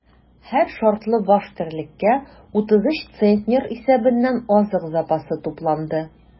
Һәр шартлы баш терлеккә 33 центнер исәбеннән азык запасы тупланды.